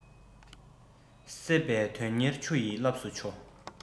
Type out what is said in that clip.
སྲེད པས དོན གཉེར ཆུ ཡི རླབས སུ འཕྱོ